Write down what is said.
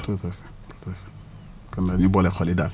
tout à fait tout à fait kon nag ñu boole xol yi daal